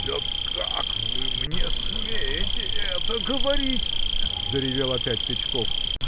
— Да как вы мне смеете это говорить! — заревел опять Тычков.